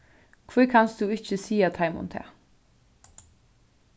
hví kanst tú ikki siga teimum tað